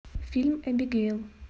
фильм эбигейл